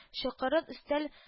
Чокырын өстәл